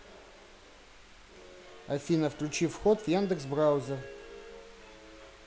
афина включи вход в яндекс браузер